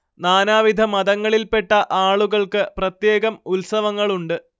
നാനാവിധ മതങ്ങളില്പെട്ട ആളുകൾക്ക് പ്രത്യേകം ഉത്സവങ്ങളുണ്ട്